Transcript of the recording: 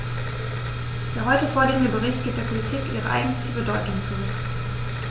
Der heute vorliegende Bericht gibt der Politik ihre eigentliche Bedeutung zurück.